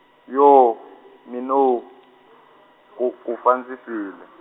yooo , minooo , ku ku fa ndzi file.